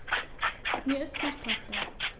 Mir ist nach Pasta.